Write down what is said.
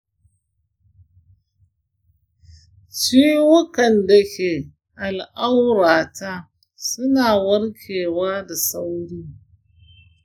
ina da kumburin ƙwayoyin kariya a yankin wuyana.